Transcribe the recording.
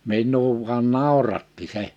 minua vain nauratti se